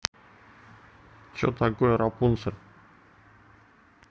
что такое рапунцель